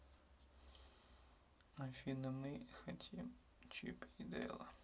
афина мы хотим чип и дейла